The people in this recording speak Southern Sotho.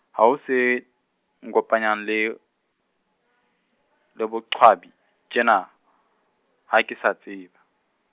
ha o se, nkopanya le, le boQwabi tjena , ha ke sa tseba.